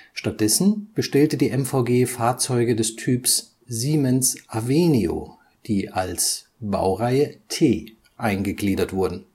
Stattdessen bestellte die MVG Fahrzeuge des Typs Siemens Avenio, die als Baureihe T eingegliedert wurden